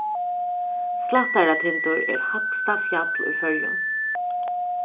slættaratindur er hægsta fjall í føroyum